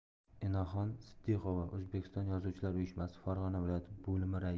enaxon siddiqova o'zbekiston yozuvchilar uyushmasi farg'ona viloyati bo'limi raisi